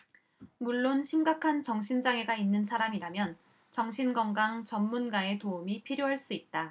물론 심각한 정신 장애가 있는 사람이라면 정신 건강 전문가의 도움이 필요할 수 있다